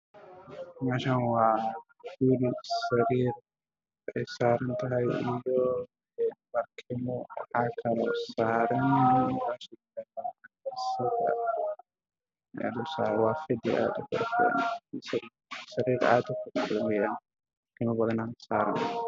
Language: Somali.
Waa qol waxaa yaalla sariir waxaa saaran madow ah sariirta iyo daaha waa isku midig waxaa hor yaalla sariirta bahal weyn oo magaar ah